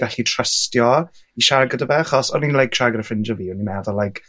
gallu trystio i siarad gyda fe. Achos o'n i'n like siarad gyda ffrindiau fi o'n i'n meddwl like